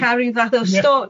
ca'l ryw fath o stor-... Ie.